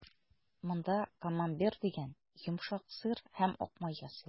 Монда «Камамбер» дигән йомшак сыр һәм ак май ясыйлар.